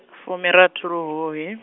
fumirathi luhuhi.